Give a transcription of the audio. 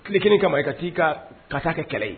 Ki kelen kama i ka t'i ka ka kɛ kɛlɛ ye